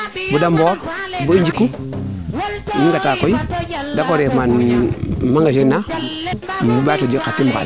bada mboor bo i njiku i ngata koy dako reef maan magasin na i mbaato jeg xa tim xa ndaq